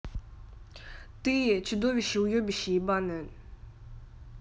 ты чудовище уебище ебаное